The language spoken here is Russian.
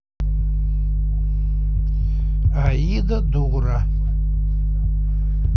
аида дура